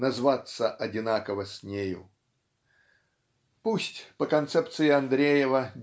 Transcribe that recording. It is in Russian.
назваться одинаково с нею? Пусть по концепции Андреева